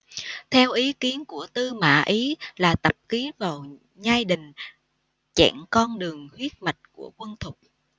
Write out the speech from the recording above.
theo ý kiến của tư mã ý là tập kích vào nhai đình chẹn con đường huyết mạch của quân thục